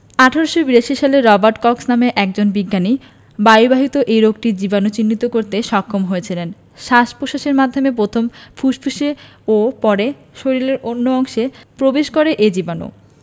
১৮৮২ সালে Robert Cox নামে একজন বিজ্ঞানী বায়ুবাহিত এ রোগটির জীবাণু চিহ্নিত করতে সক্ষম হয়েছিলেন শ্বাস প্রশ্বাসের মাধ্যমে প্রথমে ফুসফুসে ও পরে শরীরের অন্য অংশেও প্রবেশ করে এ জীবাণু